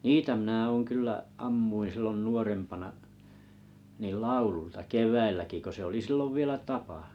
niitä minä olen kyllä ammuin silloin nuorempana niin laululta keväälläkin kun se oli silloin vielä tapa